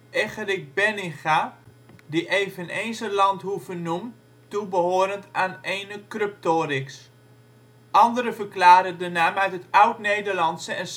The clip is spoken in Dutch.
Eggerik Beninga die eveneens een landhoeve noemt toebehorend aan ene Cruptorix. Anderen verklaren de naam uit het Oud-Nederlandse en